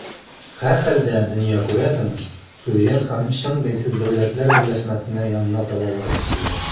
Һәрхәлдә, дөнья, күрәсең, суверен һәм чын бәйсез дәүләтләр берләшмәсенә янына таба бара шикелле.